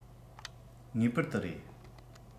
ངེས པར དུ རེད